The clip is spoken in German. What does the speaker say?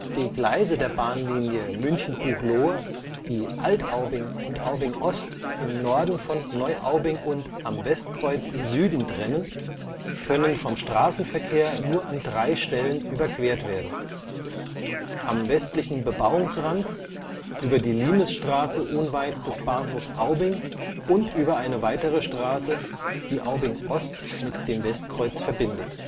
Die Gleise der Bahnlinie München – Buchloe, die Alt-Aubing und Aubing-Ost im Norden von Neuaubing und Am Westkreuz im Süden trennen, können vom Straßenverkehr nur an drei Stellen überquert werden: am westlichen Bebauungsrand, über die Limesstraße unweit des Bahnhofs Aubing und über eine weitere Straße, die Aubing-Ost mit dem Westkreuz verbindet